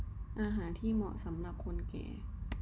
อาหารที่เหมาะสำหรับคนแก่